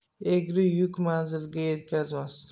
egri yuk manzilga yetkazmas